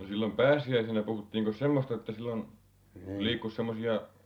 no silloin pääsiäisenä puhuttiinkos semmoista että silloin liikkuisi semmoisia